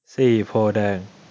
สี่โพธิ์แดง